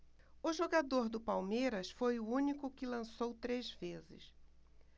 o jogador do palmeiras foi o único que lançou três vezes